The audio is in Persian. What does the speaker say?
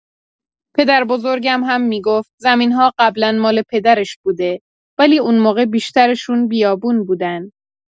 پدربزرگم هم می‌گفت زمین‌ها قبلا مال پدرش بوده، ولی اون موقع بیشترشون بیابون بودن.